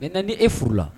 Ne nan n ni e furu la